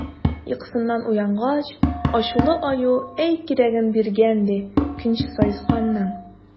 Йокысыннан уянгач, ачулы Аю әй кирәген биргән, ди, көнче Саесканның!